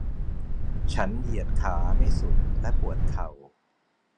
ฉันเหยียดขาไม่สุดและปวดเข่า